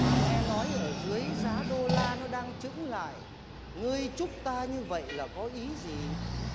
mà nghe nói ở dưới giá đô la nó đang chững lại ngươi chúc ta như vậy là có ý gì